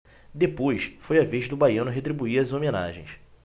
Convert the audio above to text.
depois foi a vez do baiano retribuir as homenagens